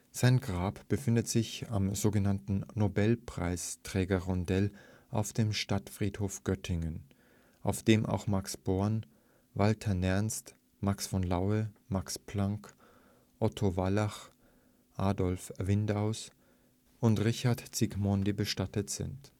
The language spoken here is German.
Sein Grab befindet sich am sogenannten ' Nobelpreisträger-Rondell ' auf dem Stadtfriedhof Göttingen, auf dem auch Max Born, Walther Nernst, Max von Laue, Max Planck, Otto Wallach, Adolf Windaus und Richard Zsigmondy bestattet sind